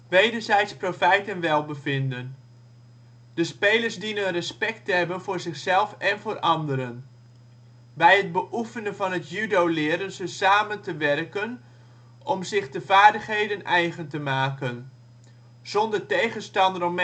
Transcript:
Wederzijds profijt en welbevinden): de spelers dienen respect te hebben voor zichzelf en voor anderen. Bij het beoefenen van het judo leren ze samen te werken om zich de vaardigheden eigen te maken. Zonder tegenstander om